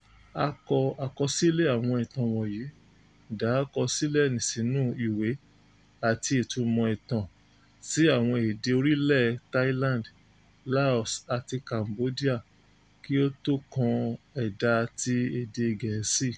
A ṣe àkọsílẹ̀ àwọn ìtàn wọ̀nyí, dà á kọ sílẹ̀ sínú ìwé, àti ìtúmọ̀ ìtàn sí àwọn èdè orílẹ̀ Thailand, Laos, àti Cambodia kí ó tó kan ẹ̀da ti èdè Gẹ̀ẹ́sì.